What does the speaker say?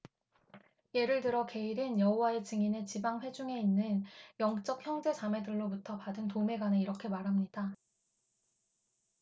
예를 들어 게일은 여호와의 증인의 지방 회중에 있는 영적 형제 자매들로부터 받은 도움에 관해 이렇게 말합니다